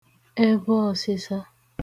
ẹvhọọ̀sịsa